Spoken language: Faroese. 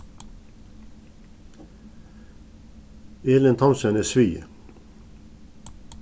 elin thomsen er svii